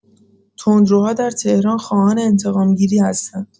تندروها در تهران خواهان انتقام‌گیری هستند!